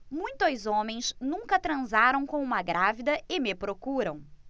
muitos homens nunca transaram com uma grávida e me procuram